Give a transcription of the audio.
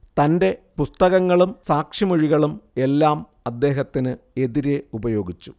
തന്റെ പുസ്തകങ്ങളും സാക്ഷിമൊഴികളും എല്ലാം അദ്ദേഹത്തിന് എതിരെ ഉപയോഗിച്ചു